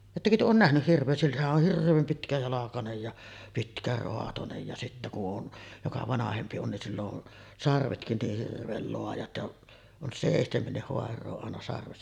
ettekö te ole nähnyt hirveä sillähän on hirveän pitkäjalkainen ja pitkäraatoinen ja sitten kun on joka vanhempi on niin sillä on sarvetkin niin hirveän laajat ja on seitsemänkin haaraa aina sarvessa